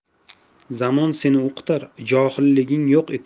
zamon seni o'qitar johilliging yo'q etar